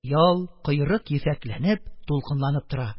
Ял, койрык ефәкләнеп, дулкынланып тора.